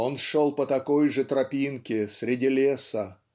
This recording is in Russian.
Он шел по такой же тропинке среди леса